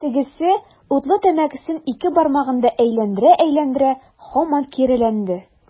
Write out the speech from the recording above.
Тегесе, утлы тәмәкесен ике бармагында әйләндерә-әйләндерә, һаман киреләнде.